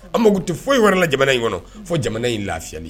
An mako tɛ foyi wɛrɛ la jamana in kɔnɔ fo jamana in lafiyali